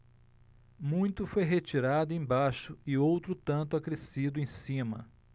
muito foi retirado embaixo e outro tanto acrescido em cima